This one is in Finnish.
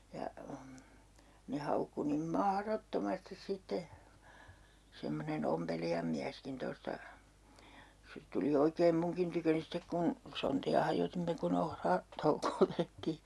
ja ne haukkui niin mahdottomasti sitten semmoinen ompelijan mieskin tuosta se tuli oikein minunkin tyköni sitten kun sontia hajotimme kun - ohratoukoa tehtiin